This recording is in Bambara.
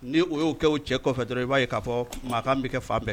Ni o y'o kɛ u cɛ kɔfɛ dɔrɔnw, i b'a ye k'a fɔ mankan bɛ kɛ fan bɛɛ. fɛ.